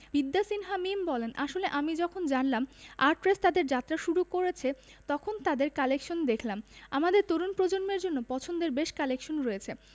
বিদ্যা সিনহা মিম বলেন আসলে আমি যখন জানলাম আর্টরেস তাদের যাত্রা শুরু করেছে তখন তাদের কালেকশান দেখলাম আমাদের তরুণ প্রজন্মের জন্য পছন্দের বেশ কালেকশন রয়েছে